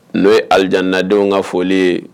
N'o ye aljanadenw ka foli ye.